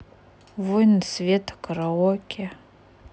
войны света караоке